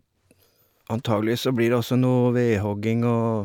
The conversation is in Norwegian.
Antageligvis så blir det også noe vedhogging og...